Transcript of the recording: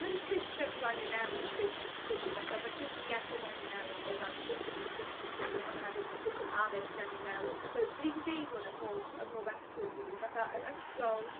Ma'r systems angen newid basically dydi fatha ma'r system iechyd angen newid o ran sut 'yn ni'n trin chi on' hefyd ma'r system addysg angen newid achos 'dyn ni 'di deud hwn yn mhob ym mhob episode rili fatha yr ysgol